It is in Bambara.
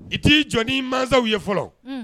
I t'i jɔi mansaw ye fɔlɔ